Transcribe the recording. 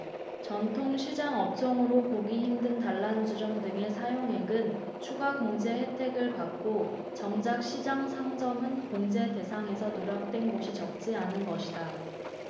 전통시장 업종으로 보기 힘든 단란주점 등의 사용액은 추가 공제 혜택을 받고 정작 시장 상점은 공제 대상에서 누락된 곳이 적지 않은 것이다